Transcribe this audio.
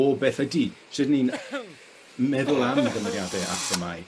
o beth ydi... Shwd 'yn ni'n yy meddwl am gymeriade a themâu